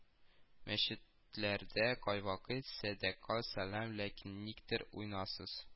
Мәчетләрдә кайвакыт садәка салам, ләкин никтер уңайсыз